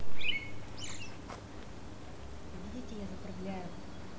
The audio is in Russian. видите я заправляю